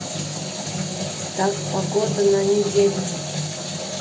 так погода на неделю